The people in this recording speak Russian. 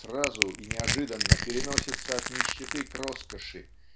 сразу и неожиданно переносится от нищеты к роскоши